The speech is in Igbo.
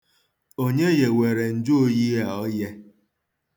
Onye yewere njụoyi a oye?